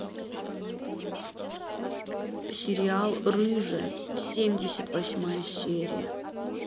сериал рыжая семьдесят восьмая серия